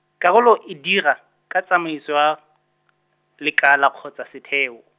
karolo e dira, ka tsamaiso ya, lekala kgotsa setheo.